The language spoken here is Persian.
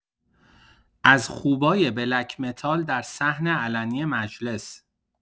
از خوبای بلک متال در صحن علنی مجلس